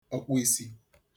ọ̀kpụīsī